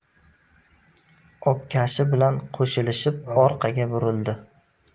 obkashi bilan qo'shilishib orqaga burildi